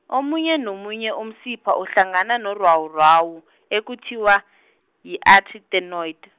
omunye nomunye umsipha uhlangana norwamurwamu, ekuthiwa, yi artytenoid.